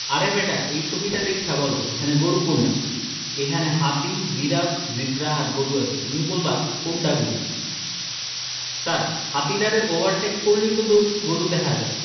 আরে ব্যাটা এই ছবিডা দেইখা বলো এইখানে গরু কোনডা এইখানে হাতি জিরাফ জেব্রা আর গরু আছে তুমি বলবা কোনডা গরু ছার হাতিডারে ওভারটেক করলেই তো গরু দেহা যায়